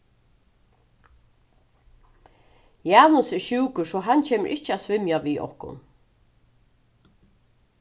janus er sjúkur so hann kemur ikki at svimja við okkum